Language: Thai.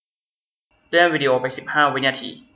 เลื่อนวีดีโอไปสิบห้าวินาที